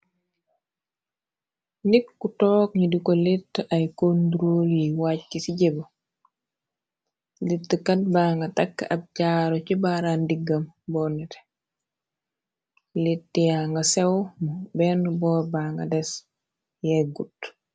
Nik ku toog ni di ko litt ay kondrol yi wàjci ci jéba littkat ba nga takk ab jaaru ci baaraan diggam boo nete litya nga sew mu benn booba nga des yeggut.